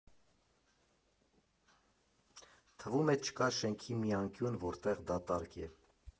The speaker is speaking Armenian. Թվում է՝ չկա շենքի մի անկյուն, որտեղ դատարկ է։